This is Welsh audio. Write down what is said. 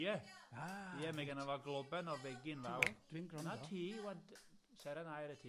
Ie. A! Ie, mae genna fo globen o fegyn fawr. Ti'n gweld, dwi'n gwrando. 'Na ti ŵan, sern aur i ti...